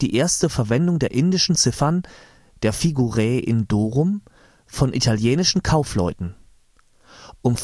erste Verwendung der indischen Ziffern („ figurae Indorum “) von italienischen Kaufleuten; um